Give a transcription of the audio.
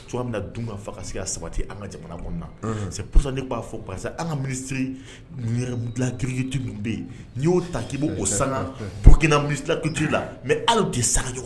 An jamana nasa b'a fɔ parce que an ka minise dilan kitu ninnu bɛ yen n'i y'o ta' ma'o sankina minilakitu la mɛ ala de saga